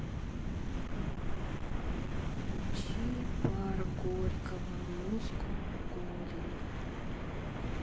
включи парк горького москоу колинг